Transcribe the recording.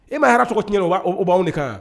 E ma hɛrɛ sogo tiɲɛɲɛna b' de ka kan yan